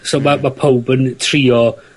So ma' ma' powb yn trio